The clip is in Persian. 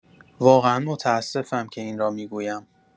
واقعا متاسفم که این را می‌گویم.